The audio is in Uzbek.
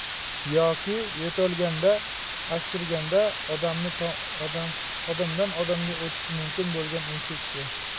yoki yo'talganda aksirganda odamdan odamga o'tishi mumkin bo'lgan infeksiya